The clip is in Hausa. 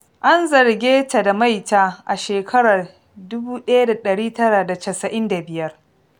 An zarge ta da maita a shekarar 1995.